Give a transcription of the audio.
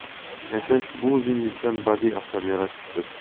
yashash bu o'zingizdan badiiy asar yaratishdir